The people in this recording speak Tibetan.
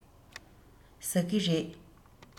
ཟ ཀི རེད